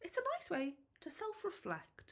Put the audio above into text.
It's a nice way to self-reflect.